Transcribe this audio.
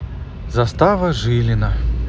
застава жилина